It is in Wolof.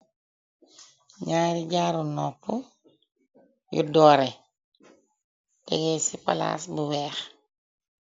Ñaari jaaru noppu yu dórèh tégé ci palas bu wèèx.